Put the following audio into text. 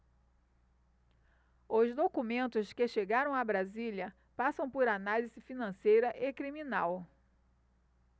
os documentos que chegaram a brasília passam por análise financeira e criminal